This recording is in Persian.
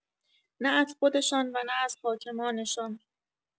نه از خودشان و نه از حاکمان شان